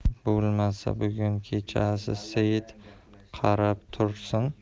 bo'lmasa bugun kechasi seit qarab tursin